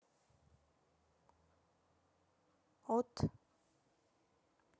от